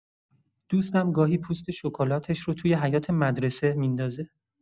دوستم گاهی پوست شکلاتش رو توی حیاط مدرسه می‌ندازه.